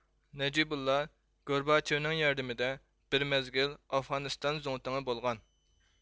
نەجىبۇللا گورباچېۋنىڭ ياردىمىدە بىر مەزگىل ئافغانىستان زۇڭتۇڭى بولغان